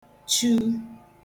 chu